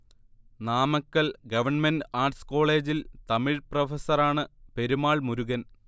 Namakkal government arts കോളേജിൽ തമിഴ് പ്രഫസറാണ് പെരുമാൾ മുരുഗൻ